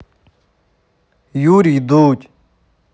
юрий дудь